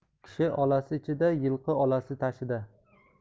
kishi olasi ichida yilqi olasi tashida